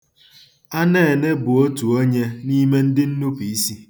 Anene bụ otu onye n'ime ndịnnupuisi.